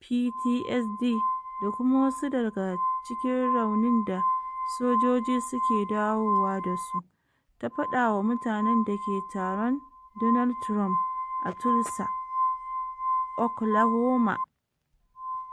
PTSD da kuma wasu daga cikin raunin da sojoji suke dawo da su, ta faɗa wa mutanen dake taron Donald Trump a Tulsa, Oklahoma.